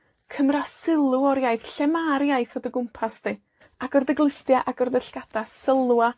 Cymra sylw o'r iaith. Lle ma'r iaith o dy gwmpas di? Agor dy glustia, agor dy llygada, sylwa